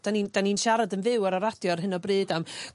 'dyn ni'n 'dyn ni'n siarad yn fyw ar y radio ar hyn o bryd am